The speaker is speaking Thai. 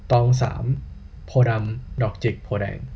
ตองสามโพธิ์ดำดอกจิกโพธิ์แดง